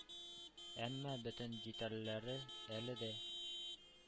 Әмма бөтен детальләре әле дә